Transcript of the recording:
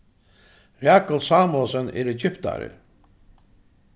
rakul samuelsen er egyptari